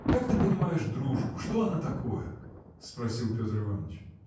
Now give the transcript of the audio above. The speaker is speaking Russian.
Как ты понимаешь дружбу, что она такое? – спросил Петр Иваныч.